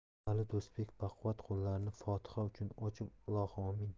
ali do'stbek baquvvat qo'llarini fotiha uchun ochib ilohi omin